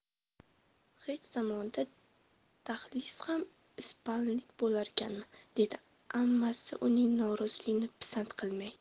hech zamonda dahliz ham ispalniy bo'larkanmi dedi ammasi uning noroziligini pisand qilmay